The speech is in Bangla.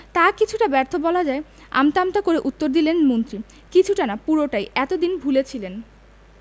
তা কিছুটা ব্যর্থ বলা যায় আমতা আমতা করে উত্তর দিলেন মন্ত্রী কিছুটা না পুরোটাই এত দিন ভুলে ছিলেন